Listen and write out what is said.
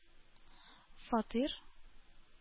Фатир